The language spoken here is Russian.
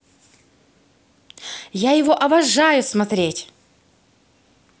я его обожаю смотреть